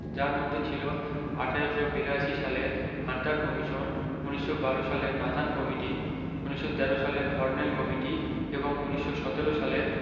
যার মধ্যে ছিল ১৮৮২ সালের হান্টার কমিশন ১৯১২ সালের নাথান কমিটি ১৯১৩ সালের হর্নেল কমিটি এবং ১৯১৭ সালের